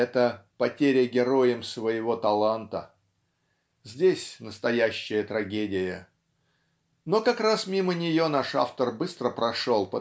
это потеря героем своего таланта. Здесь настоящая трагедия но как раз мимо нее нал автор быстро прошел